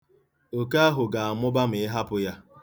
Oke ahụ ga-amụba ma ị hapụ ya.